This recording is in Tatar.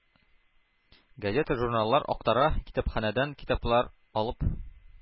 Газета-журналлар актара, китапханәдән китаплар алып